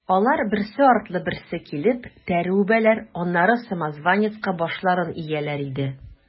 Алар, берсе артлы берсе килеп, тәре үбәләр, аннары самозванецка башларын ияләр иде.